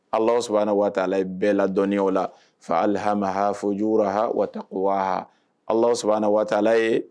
Ala sɔrɔ a waati waala ye bɛɛ la dɔni o la fa alilhamaha fo juguha waha ala a waala ye